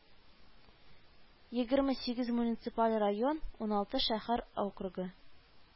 Егерме сигез муниципаль район, уналты шәһәр округы